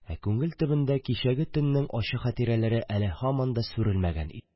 Ә күңел түрендә кичәге төннең ачы хәтирәләре әле һаман сүрелмәгән иде.